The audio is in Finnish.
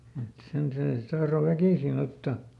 et sen se sitten tahtoi väkisin ottaa